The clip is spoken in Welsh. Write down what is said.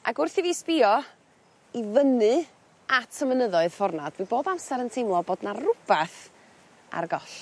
Ag wrth i fi sbïo i fyny at y mynyddoedd ffor' 'na dwi bob amsar yn teimlo bod 'na rwbath a'r goll.